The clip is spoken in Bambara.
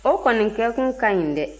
o kɔni kɛkun ka ɲi dɛ